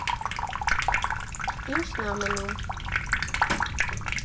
Ի՞նչն ա մնում։